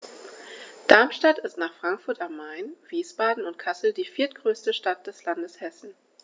Darmstadt ist nach Frankfurt am Main, Wiesbaden und Kassel die viertgrößte Stadt des Landes Hessen